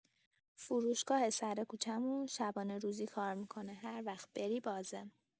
فروشگاه سر کوچمون شبانه‌روزی کار می‌کنه، هر وقت بری بازه.